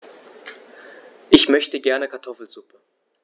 Ich möchte gerne Kartoffelsuppe.